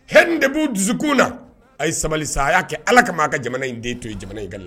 Haine de b'u dusukun na ,a ye sabali sa a y'a allah a ka jamana in den to yen, jamana in ka lafiya.